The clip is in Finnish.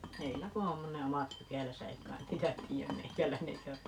heillä kun on ne omat pykälänsä ei kai niitä tiedä meikäläinen eikä